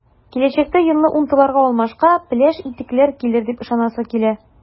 Киләчәктә “йонлы” унтыларга алмашка “пеләш” итекләр килер дип ышанасы килә.